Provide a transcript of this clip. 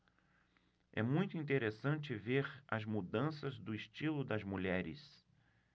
é muito interessante ver as mudanças do estilo das mulheres